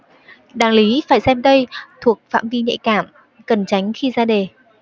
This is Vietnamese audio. đáng lý phải xem đây thuộc phạm vi nhạy cảm cần tránh khi ra đề